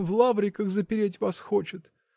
В Лавриках запереть вас хочет.